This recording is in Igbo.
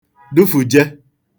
dufùje